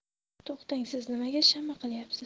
to'xtang siz nimaga shama qilyapsiz